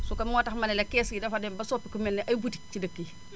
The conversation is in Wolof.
su ko moo tax ma ne la kees gi dafa dem ba soppiku mel ni ay boutique ci dëkk yi